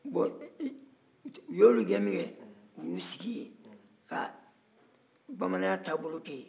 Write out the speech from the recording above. u y'olu gɛn min kɛ u y'u sigi yen ka bamananya taabolo kɛ yen